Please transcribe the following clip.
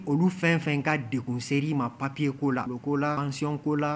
Olu fɛn fɛn ka degsɛri ma papiye ko la olu ko laconko la